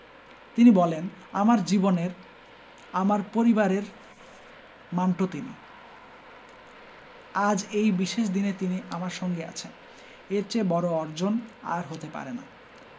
তিনি বলেন আমার জীবনের আমার পরিবারের মান্টো তিনি আজ এই বিশেষ দিনে তিনি আমার সঙ্গে আছেন এর চেয়ে বড় অর্জন আর হতে পারে না